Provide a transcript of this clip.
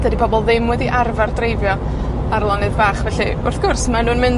Dydi pobol ddim wedi arfer dreifio ar lonydd fach, felly, wrth gwrs, mae nw'n mynd